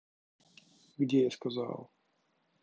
где я сказал